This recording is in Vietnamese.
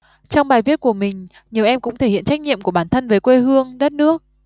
trong bài viết của mình nhiều em cũng thể hiện trách nhiệm của bản thân với quê hương đất nước